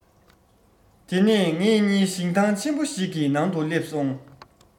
དེ ནས ངེད གཉིས ཞིང ཐང ཆེན པོ ཞིག གི ནང དུ སླེབས སོང